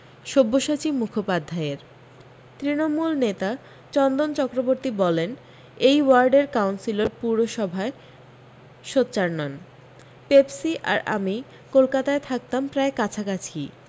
সব্যসাচী মুখোপাধ্যায়ের তৃণমূল নেতা চন্দন চক্রবর্তী বলেন এই ওয়ার্ডের কাউন্সিলর পুরসভায় সোচ্চার নন পেপসি আর আমি কলকাতায় থাকতাম প্রায় কাছাকাছিই